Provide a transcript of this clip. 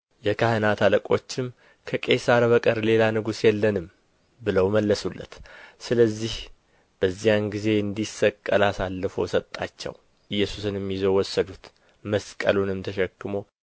የካህናት አለቆችም ከቄሣር በቀር ሌላ ንጉሥ የለንም ብለው መለሱለት ስለዚህ በዚያን ጊዜ እንዲሰቀል አሳልፎ ሰጣቸው ኢየሱስንም ይዘው ወሰዱት መስቀሉንም ተሸክሞ